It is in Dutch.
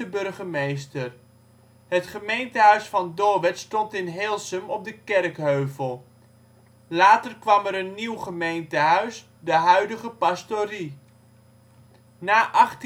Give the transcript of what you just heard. burgemeester. Het gemeentehuis van Doorwerth stond in Heelsum op de kerkheuvel. Later kwam er een nieuw gemeentehuis, de huidige pastorie. Na 1850